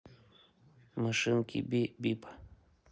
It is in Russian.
машинки би бип